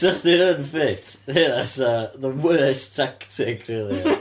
'Sa chdi'n unfit, hynna 'sa, the worst tactic rili .